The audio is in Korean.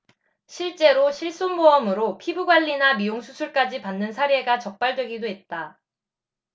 실제로 실손보험으로 피부관리나 미용 수술까지 받는 사례가 적발되기도 했다